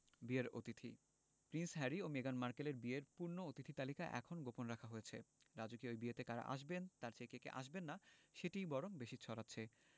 বিয়ের অতিথি Prince Harry ও মেগান মার্কেলের বিয়ের পূর্ণ অতিথি তালিকা এখনো গোপন রাখা হয়েছে রাজকীয় এই বিয়েতে কারা আসবেন তার চেয়ে কে কে আসবেন না সেটিই বরং বেশি ছড়াচ্ছে